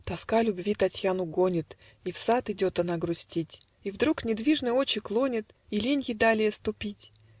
Тоска любви Татьяну гонит, И в сад идет она грустить, И вдруг недвижны очи клонит, И лень ей далее ступить.